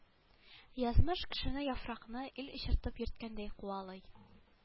Язмыш кешене яфракны ил очыртып йөрткәндәй куалый